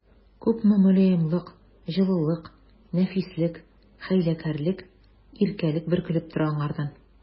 Күпме мөлаемлык, җылылык, нәфислек, хәйләкәрлек, иркәлек бөркелеп тора аңардан!